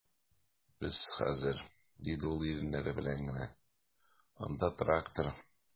Без хәзер, - диде ул иреннәре белән генә, - анда трактор...